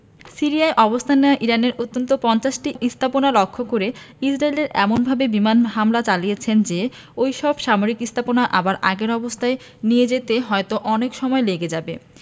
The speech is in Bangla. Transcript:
সিরিয়ায় অবস্থান নেওয়া ইরানের অত্যন্ত ৫০টি স্থাপনা লক্ষ্য করে ইসরায়েল এমনভাবে বিমান হামলা চালিয়েছেন যে ওই সব সামরিক স্থাপনা আবার আগের অবস্থায় নিয়ে যেতে হয়তো অনেক সময় লেগে যাবে